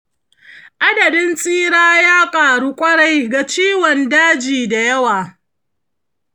adadin tsira ya ƙaru ƙwarai ga ciwon daji da yawa.